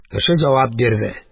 Кеше җавап бирде